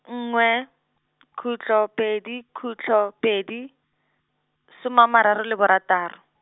nngwe, khutlo pedi khutlo pedi, soma a mararo le borataro.